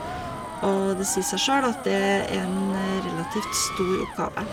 Og det sier seg sjøl at det er en relativt stor oppgave.